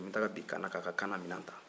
n bɛ taa bin kaana kan ka kaana minɛn ta